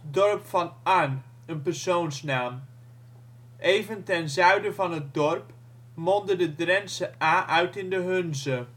dorp van Arn (persoonsnaam). Even ten zuiden van het dorp mondde de Drentsche Aa uit in de Hunze